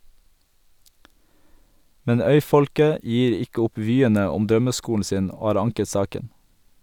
Men øyfolket gir ikke opp vyene om drømmeskolen sin, og har anket saken.